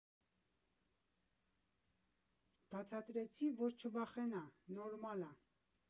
Բացատրեցի, որ չվախենա, նորմալ ա։